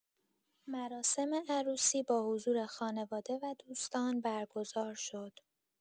مراسم عروسی با حضور خانواده و دوستان برگزار شد.